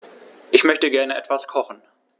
Ich möchte gerne etwas kochen.